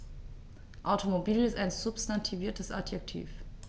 Automobil ist ein substantiviertes Adjektiv.